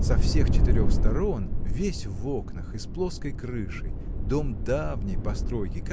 со всех четырех сторон весь в окнах и с плоской крышей дом давней постройки